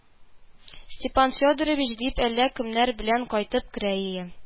Степан Федорович, дип, әллә кемнәр белән кайтып керә ие